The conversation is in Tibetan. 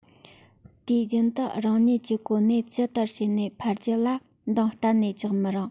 དུས རྒྱུན དུ རང ཉིད ཀྱི གོ གནས ཇི ལྟར བྱས ནས འཕར རྒྱུ ལ འདང གཏན ནས རྒྱག མི རུང